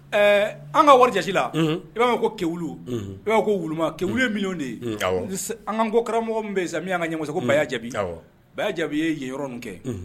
Ɛɛ an ka wari jate la, unhun, i b'a mɛn ko kewulu unhun, i b'a fɔ ko wuluma, kewule ye miliyɔn de ye, awɔ, an ka nko karamɔgɔ min bɛ yen zamiya ka ɲɛmɔgɔ ko Bayaya Jabi, Bayaya Jabi ye yen yɔrɔ ninnu kɛ.